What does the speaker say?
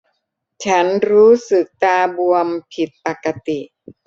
ฉันรู้สึกตาบวมผิดปกติ